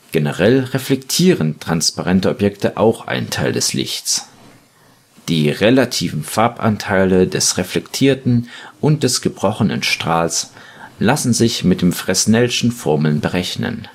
Generell reflektieren transparente Objekte auch einen Teil des Lichts. Die relativen Farbanteile des reflektierten und des gebrochenen Strahls lassen sich mit den Fresnelschen Formeln berechnen